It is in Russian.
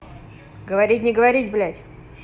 говорить не говорить блядь